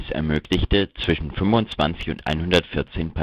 ermöglichte, zwischen 25 und 114